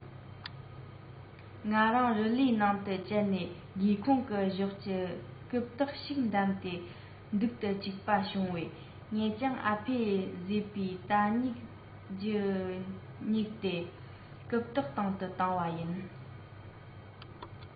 ང རང རི ལིའི ནང དུ བསྐྱལ ནས སྒེའུ ཁུང གི གཞོགས ཀྱི རྐུབ སྟེགས ཤིག བདམས ཏེ འདུག ཏུ བཅུག པ བྱུང བས ངས ཀྱང ཨ ཕས བཟོས པའི ཏ དབྱིད རྒྱ སྨུག དེ རྐུབ སྟེགས སྟེང དུ བཏིང པ ཡིན